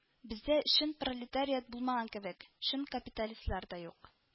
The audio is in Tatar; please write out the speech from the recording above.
Бездә чын пролетариат булмаган кебек, чын капиталистлар да юк